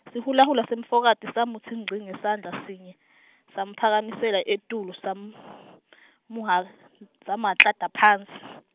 sihulahula semfokati samutsi ngci ngesandla sinye, samphakamisela etulu sam- -muhha , samuhhanklata phasi.